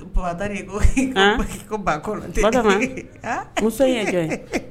Han? Ko ba kɔni tɛ nin ye. Batɔma. Han. Muso in ye jɔn ye?